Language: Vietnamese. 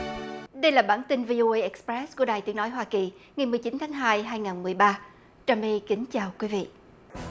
đây là bản tin vi âu ây ích pờ rét của đài tiếng nói hoa kỳ ngày mười chín tháng hai hai ngàn mười ba trà my kính chào quý vị